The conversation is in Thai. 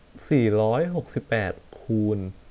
สี่ร้อยหกสิบแปดคูณ